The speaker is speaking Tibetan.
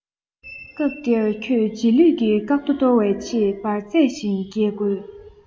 སྐབས དེར ཁྱོད རྗེས ལུས ཀྱི བཀག རྡོ གཏོར བའི ཆེད འབར རྫས བཞིན འགད དགོས